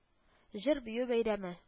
– җыр-бию бәйрәме